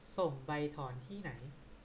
ส่งใบถอนที่ไหน